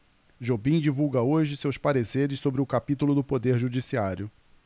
jobim divulga hoje seus pareceres sobre o capítulo do poder judiciário